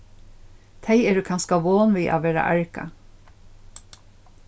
tey eru kanska von við at verða argað